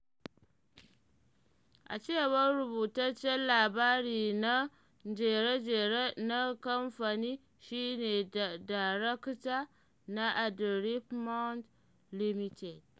A cewar rubutaccen labari na jere-jere na kamfani, shi ne darakta na Adriftmorn Limited.